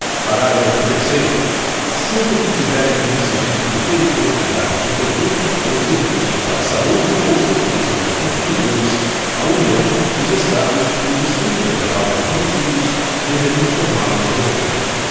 parágrafo terceiro sempre que tiverem conhecimento de periculosidade de produtos ou serviços à saúde ou segurança dos consumidores a união os estados o distrito federal e os municípios deverão informá los a respeito